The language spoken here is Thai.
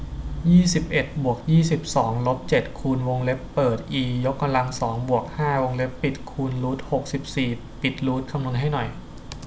ยี่สิบเอ็ดบวกยี่สิบสองลบเจ็ดคูณวงเล็บเปิดอียกกำลังสองบวกห้าวงเล็บปิดคูณรูทหกสิบสี่ปิดรูทคำนวณให้หน่อย